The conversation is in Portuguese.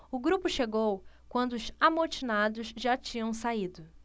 o grupo chegou quando os amotinados já tinham saído